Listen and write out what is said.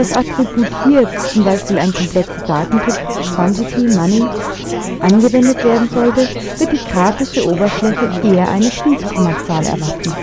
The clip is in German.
Attribut hier z.B. ein komplexer Datentyp (Quantity, Money) angewendet werden sollte, wird die grafische Oberfläche eher eine Fließkommazahl erwarten